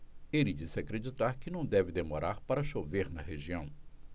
ele disse acreditar que não deve demorar para chover na região